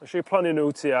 Ma' isio'u plannu nhw tua